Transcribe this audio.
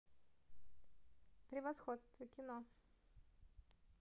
превосходство кино